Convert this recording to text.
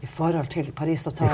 i forhold til Parisavtalen.